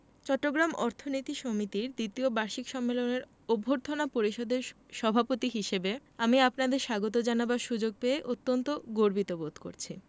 চট্টগ্রাম অর্থনীতি সমিতির দ্বিতীয় বার্ষিক সম্মেলনের অভ্যর্থনা পরিষদের সভাপতি হিসেবে আমি আপনাদের স্বাগত জানাবার সুযোগ পেয়ে অত্যন্ত গর্বিত বোধ করছি